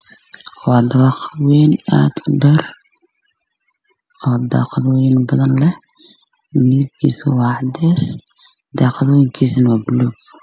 Waa dabaq wayn oo aad u dheer oo daaqad wayni badan leh midab kiisu waa cadays daaqadooyin kiisu waa buluug